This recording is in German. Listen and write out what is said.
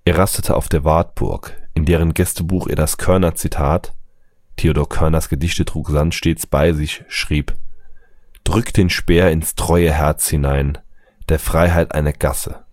rastete auf der Wartburg, in deren Gästebuch er das Körner-Zitat – Theodor Körners Gedichte trug Sand stets bei sich – schrieb: „ Drück dir den Speer ins treue Herz hinein! Der Freiheit eine Gasse